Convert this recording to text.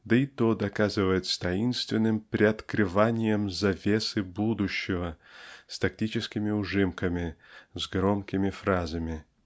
да и то доказывать с таинственным приоткрыванием "завесы будущего" с тактическими ужимками с громкими фразами.